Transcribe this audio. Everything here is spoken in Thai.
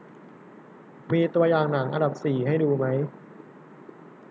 มีตัวอย่างหนังอันดับสี่ให้ดูไหม